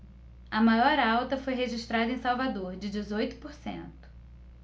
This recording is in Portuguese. a maior alta foi registrada em salvador de dezoito por cento